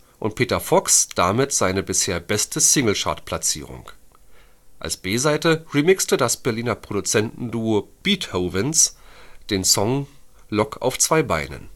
Peter Fox damit seine bisher beste Single-Chartplatzierung. Als B-Seite remixte das Berliner Produzentenduo Beathoavenz den Song Lok auf 2 Beinen